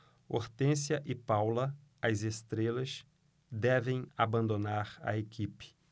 hortência e paula as estrelas devem abandonar a equipe